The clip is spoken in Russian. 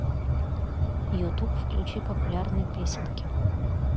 ютуб включи популярные песенки